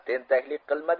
tentaklik qilma